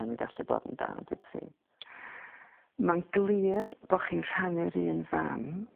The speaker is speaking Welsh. ...yn gallu bod yn dad i ti. Ma'n glir bo' chi'n rhannu'r un fam...